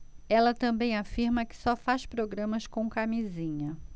ela também afirma que só faz programas com camisinha